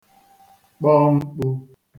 kpọ mkpụ